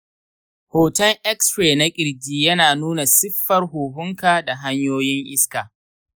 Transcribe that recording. hoton x-ray na ƙirji yana nuna siffar huhunka da hanyoyin iska.